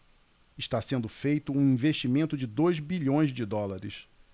está sendo feito um investimento de dois bilhões de dólares